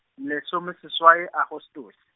lesomeseswai Agostose.